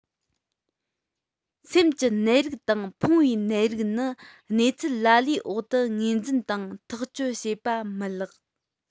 སེམས ཀྱི ནད རིགས དང ཕུང བོའི ནད རིགས ནི གནས ཚུལ ལ ལའི འོག ཏུ ངོས འཛིན དང ཐག གཅོད བྱས པ མི ལེགས